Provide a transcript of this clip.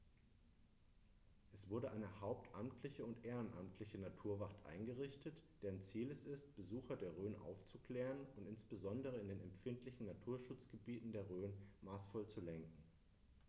Es wurde eine hauptamtliche und ehrenamtliche Naturwacht eingerichtet, deren Ziel es ist, Besucher der Rhön aufzuklären und insbesondere in den empfindlichen Naturschutzgebieten der Rhön maßvoll zu lenken.